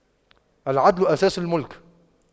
العدل أساس الْمُلْك